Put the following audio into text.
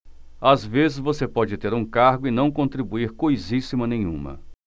às vezes você pode ter um cargo e não contribuir coisíssima nenhuma